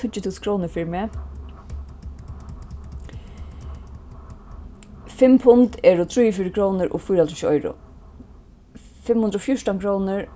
tíggju túsund krónur fyri meg fimm pund eru trýogfjøruti krónur og fýraoghálvtrýss oyru fimm hundrað og fjúrtan krónur